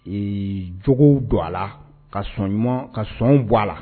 Ee jow don a la ka son ɲuman ka son bɔ a la